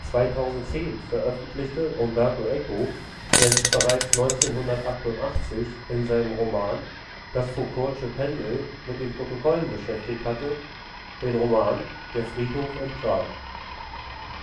2010 veröffentlichte Umberto Eco, der sich bereits 1988 in seinem Roman Das Foucaultsche Pendel mit den Protokollen beschäftigt hatte, den Roman Der Friedhof in Prag.